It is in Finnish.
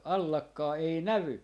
allakkaa ei näy